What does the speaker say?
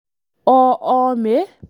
Uh, uh, me.